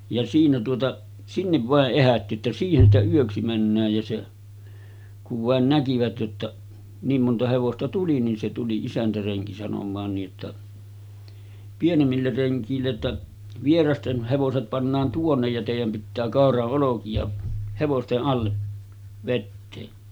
ja siinä tuota sinne vain ehätti että siihen sitä yöksi mennään ja se kun vain näkivät jotta niin monta hevosta tuli niin se tuli isäntärenki sanomaan niin että pienemmille rengeille että vieraiden hevoset pannaan tuonne ja teidän pitää kauran olkia hevosten alle vetää